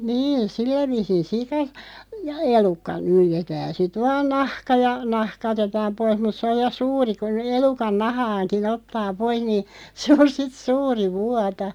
niin sillä viisiin sika ja elukka nyljetään sitten vain nahka ja nahka otetaan pois mutta se on ja suuri kun elukan nahankin ottaa pois niin se on sitten suuri vuota